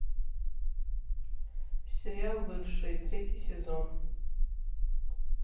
сериал бывшие третий сезон